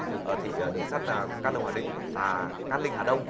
ờ thị đường sắt cát lông hà đinh à cát linh hà đông